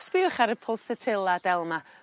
Sbïwch ar y Pulsatilla del 'ma.